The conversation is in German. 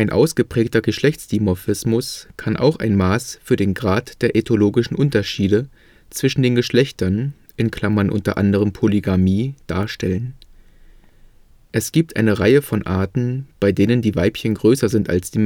ausgeprägter Geschlechts­dimorphismus kann auch ein Maß für den Grad der ethologischen Unterschiede zwischen den Geschlechtern (unter anderem Polygamie) darstellen. Es gibt eine Reihe von Arten, bei denen die Weibchen größer sind als die